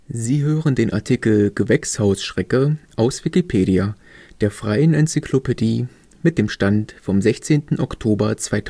Sie hören den Artikel Gewächshausschrecke, aus Wikipedia, der freien Enzyklopädie. Mit dem Stand vom Der